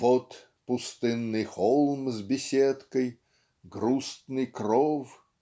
Вот пустынный холм с беседкой. Грустный кров